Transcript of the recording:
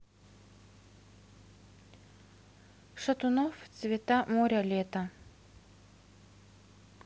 шатунов цвета моря лето